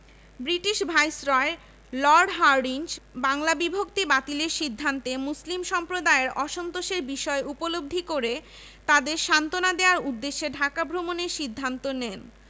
British viceroy Lord Hardinge Bangla বিভক্তি বাতিলের সিদ্ধান্তে মুসলিম সম্প্রদায়ের অসন্তোষের বিষয় উপলব্ধি করে তাদের সান্ত্বনা দেওয়ার উদ্দেশ্যে ঢাকা ভ্রমণের সিদ্ধান্ত নেন